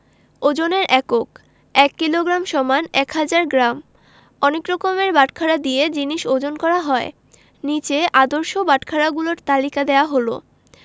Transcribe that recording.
ওজনের এককঃ ১ kilogram = ১০০০ gram অনেক রকমের বাটখারা দিয়ে জিনিস ওজন করা হয় নিচে আদর্শ বাটখারাগুলোর তালিকা দেয়া হলঃ